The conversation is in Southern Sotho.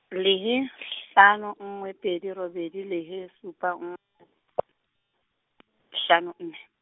lehe, hlano nngwe pedi robedi lehe supa nng- , hlano nne.